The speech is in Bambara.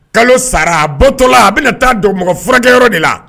Kalo sara a batɔ la a bɛna taa don mɔgɔ furakɛkɛ yɔrɔ de la